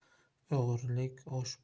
o'g'irlik osh badanga yuqmas